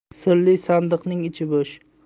sirli sandiqning ichi bo'sh